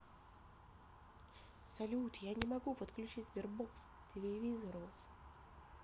салют я не могу подключить sberbox к телевизору